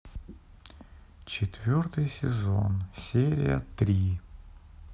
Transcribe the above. четвертый сезон серия три